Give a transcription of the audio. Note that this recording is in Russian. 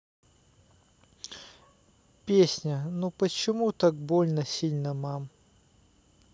песня ну почему так больно сильно мам